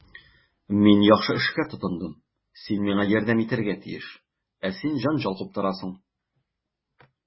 Мин яхшы эшкә тотындым, син миңа ярдәм итәргә тиеш, ә син җәнҗал куптарасың.